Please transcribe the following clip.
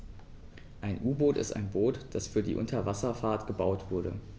Ein U-Boot ist ein Boot, das für die Unterwasserfahrt gebaut wurde.